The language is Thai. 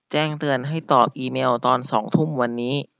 แจ้งเตือนให้ตอบอีเมลตอนสองทุ่มวันนี้